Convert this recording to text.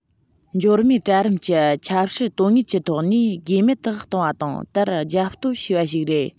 འབྱོར མེད གྲལ རིམ གྱི ཆབ སྲིད དོན དངོས ཀྱི ཐོག ནས དགོས མེད དུ བཏང བ དང དེར རྒྱབ གཏོད བྱས པ ཞིག རེད